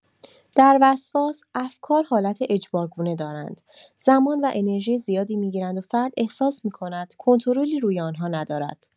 در وسواس، افکار حالت اجبارگونه دارند، زمان و انرژی زیادی می‌گیرند و فرد احساس می‌کند کنترلی روی آن‌ها ندارد.